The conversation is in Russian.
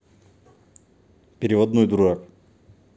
переводной дурак